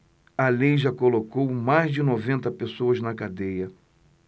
a lei já colocou mais de noventa pessoas na cadeia